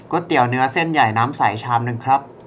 ก๋วยเตี๋ยวเนื้อเส้นใหญ่น้ำใสชามนึงครับ